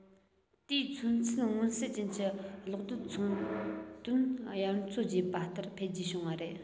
དེའི མཚོན ཚུལ མངོན གསལ ཅན ནི གློག རྡུལ ཚོང དོན དབྱར མཚོ རྒྱས པ ལྟར འཕེལ རྒྱས བྱུང བ རེད